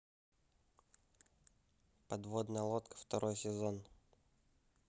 подводная лодка второй сезон